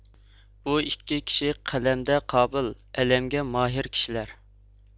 بۇ ئىككى كىشى قەلەمدە قابىل ئەلەمگە ماھىر كىشىلەر